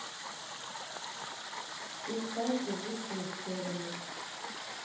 ты спайси в лучшую сторону